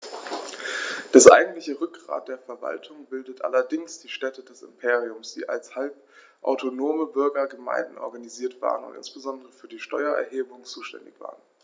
Das eigentliche Rückgrat der Verwaltung bildeten allerdings die Städte des Imperiums, die als halbautonome Bürgergemeinden organisiert waren und insbesondere für die Steuererhebung zuständig waren.